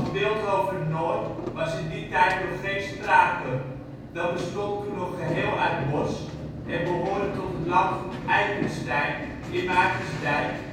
Bilthoven-Noord was in die tijd nog geen sprake. Dat bestond toen nog geheel uit bos en behoorde tot het landgoed Eyckenstein in Maartensdijk